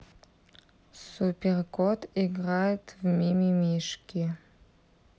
супер кот играет в мимимишки